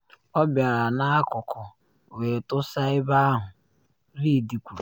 “Ọ bịara n’akụkụ wee tụsa ebe ahụ, “Reed kwuru.